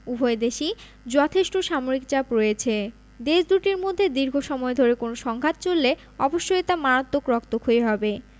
উভয় দেশেই যথেষ্ট সামরিক চাপ রয়েছে দেশ দুটির মধ্যে দীর্ঘ সময় ধরে কোনো সংঘাত চললে অবশ্যই তা মারাত্মক রক্তক্ষয়ী হবে